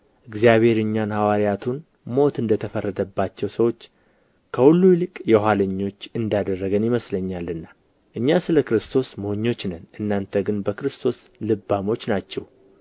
እግዚአብሔር እኛን ሐዋርያቱን ሞት እንደ ተፈረደባቸው ሰዎች ከሁሉ ይልቅ የኋለኞች እንዳደረገን ይመስለኛልና እኛ ስለ ክርስቶስ ሞኞች ነን እናንተ ግን በክርስቶስ ልባሞች ናችሁ